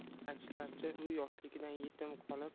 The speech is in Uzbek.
aytishlaricha u yoshligidan yetim qolib